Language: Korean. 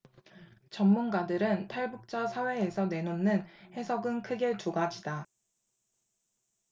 전문가들과 탈북자 사회에서 내놓는 해석은 크게 두 가지다